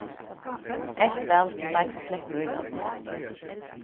elt væl til deiggið sleppur ílatinum